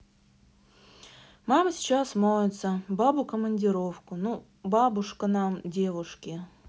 мама сейчас моется бабу командировку ну бабушка нам девушки